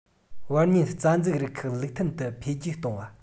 བར སྨྱན རྩ འཛུགས རིགས ཁག ལུགས མཐུན དུ འཕེལ རྒྱས གཏོང བ